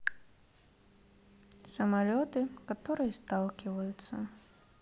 самолеты которые сталкиваются